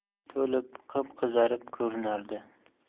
to'lib qipqizarib ko'rinardi